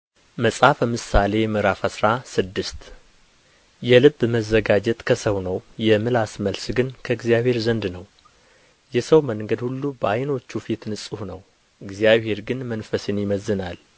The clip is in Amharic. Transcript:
መጽሐፈ ምሳሌ ምዕራፍ አስራ ስድስት የልብ መዘጋጀት ከሰው ነው የምላስ መልስ ግን ከእግዚአብሔር ዘንድ ነው የሰው መንገድ ሁሉ በዓይኖቹ ፊት ንጹሕ ነው እግዚአብሔር ግን መንፈስን ይመዝናል